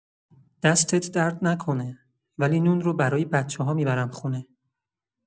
دستت درد نکنه، ولی نون رو برای بچه‌ها می‌برم خونه.